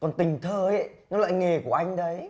còn tình thơ nó lại nghề của anh đấy